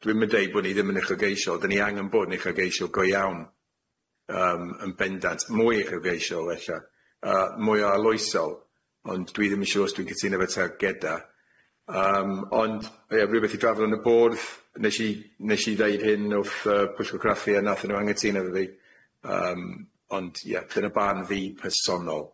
dwi'm yn deud bo' ni ddim yn uchelgeisiol, dyn ni angen bod yn uchelgeisiol go iawn yym yn bendant, mwy uchelgeisiol ella yy mwy o aloesol, ond dwi ddim yn siŵr os dwi'n cytuno efo targeda yym ond ie rywbeth i drafod yn y bwrdd, nesh i nesh i ddeud hyn wrth yy pwyllgor craffu a nathon nw angytuno efo fi yym ond ie dyna barn fi personol.